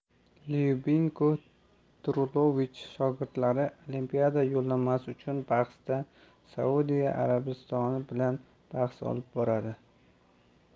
lyubinko drulovich shogirdlari olimpiada yo'llanmasi uchun bahsda saudiya arabistoni bilan bahs olib boradi